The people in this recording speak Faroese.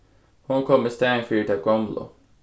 hon kom í staðin fyri ta gomlu